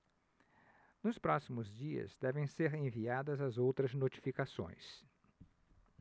nos próximos dias devem ser enviadas as outras notificações